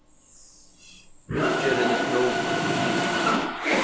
viðgerðin er trupul